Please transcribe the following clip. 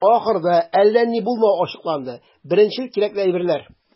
Ахырда, әллә ни булмавы ачыкланды - беренчел кирәкле әйберләр.